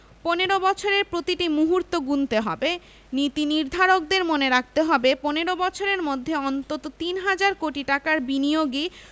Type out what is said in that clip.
১৫ বছরের প্রতিটি মুহূর্ত গুনতে হবে নীতিনির্ধারকদের মনে রাখতে হবে ১৫ বছরের মধ্যে অন্তত তিন হাজার কোটি টাকার বিনিয়োগই